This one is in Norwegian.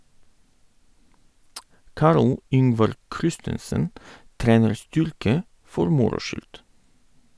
Carl Yngvar Christensen trener styrke for moro skyld.